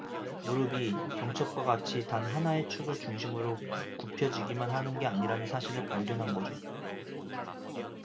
무릎이 경첩과 같이 단 하나의 축을 중심으로 굽혀지기만 하는 게 아니라는 사실을 발견한 거죠